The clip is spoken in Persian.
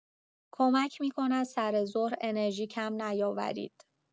کمک می‌کند سر ظهر انرژی کم نیاورید.